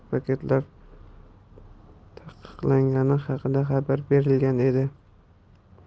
paketlar taqiqlangani haqida xabar berilgan edi